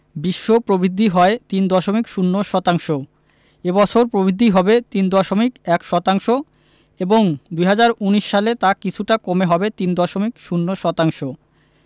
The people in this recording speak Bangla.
বিশ্ব প্রবৃদ্ধি হয় ৩.০ শতাংশ এ বছর প্রবৃদ্ধি হবে ৩.১ শতাংশ এবং ২০১৯ সালে তা কিছুটা কমে হবে ৩.০ শতাংশ